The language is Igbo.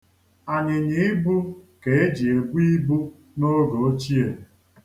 Anyịnyaibu ka e ji ebu ibu n'oge ochie.